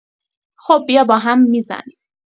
خب بیا با هم می‌زنیم